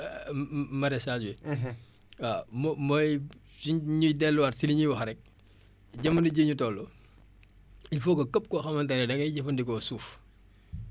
waaw mo mooy su ñu delluwaat si li ñuy wax rek jamono jii ñu toll il faut que képp koo xamante ne dangay jëfandikoo suuf nga jege